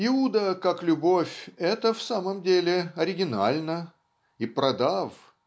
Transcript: Иуда как любовь - это в самом деле оригинально. И продав